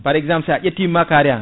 par exemple sa ƴetti makkari an